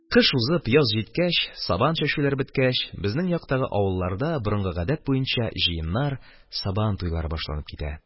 Кыш узып, яз җиткәч, сабан чәчүләре беткәч, безнең яктагы авылларда, борынгы гадәт буенча, җыеннар, Сабан туйлары башланып китә.